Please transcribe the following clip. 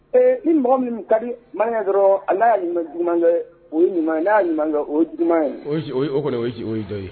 Ee ni mɔgɔ minnu ka di man dɔrɔn ala n'akɛ o ye ɲuman na ɲuman o ɲuman ye o kɔni o z o ye dɔw ye